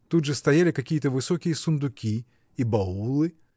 тут же стояли какие-то высокие сундуки и баулы.